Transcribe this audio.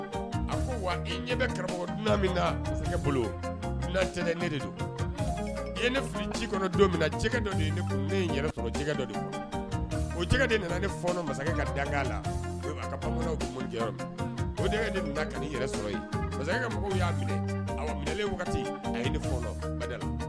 A ko wa i ɲɛ karamɔgɔ i ne ci o nana ne masakɛ ka bamanan o masakɛ y'alen ne